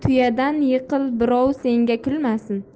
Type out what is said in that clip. yiqil birov senga kulmasin